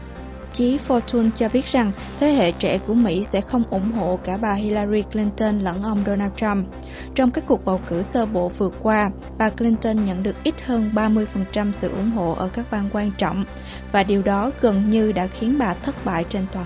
chí pho tun cho biết rằng thế hệ trẻ của mỹ sẽ không ủng hộ cả bà hi la ry cờ lin tơn lẫn ông đô nan trăm trong các cuộc bầu cử sơ bộ vừa qua bà cờ lin tơn nhận được ít hơn ba mươi phần trăm sự ủng hộ ở các bang quan trọng và điều đó gần như đã khiến bà thất bại trên toàn